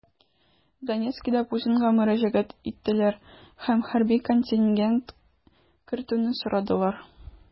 Донецкида Путинга мөрәҗәгать иттеләр һәм хәрби контингент кертүне сорадылар.